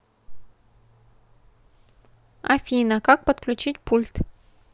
афина как подключить пульт